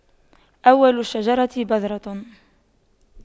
أول الشجرة بذرة